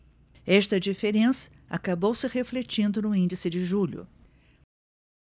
esta diferença acabou se refletindo no índice de julho